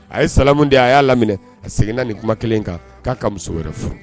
A ye samu di , a ya laminɛ a seginna nin kuma kelen kan ka muso wɛrɛ furu.